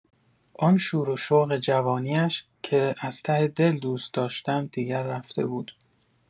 آن شور و شوق جوانی‌اش، که از ته دل دوست داشتم، دیگر رفته بود.